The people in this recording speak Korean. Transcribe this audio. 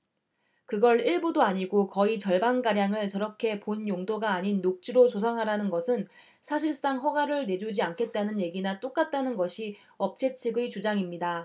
그걸 일부도 아니고 거의 절반가량을 저렇게 본 용도가 아닌 녹지로 조성하라는 것은 사실상 허가를 내주지 않겠다는 얘기나 똑같다는 것이 업체 측의 주장입니다